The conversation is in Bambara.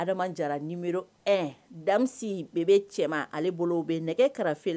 Adama jara ni bɛɛ bɛ cɛ ale bolo bɛ nɛgɛ